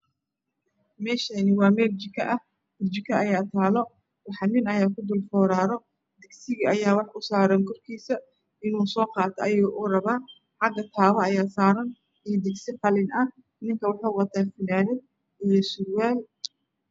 Meeshaan waa meel jiko ah burjiko ayaa taalo nin ayaa kudul fooraro digsiga ayuu rabaa inuu soo qaato. xaga taawo ayaa saaran iyo digsi qalin ah ninku waxa uu wataa fanaanad iyo surwaal.